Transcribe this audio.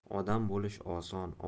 odam bo'lish oson